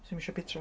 'Sdim isio petrol.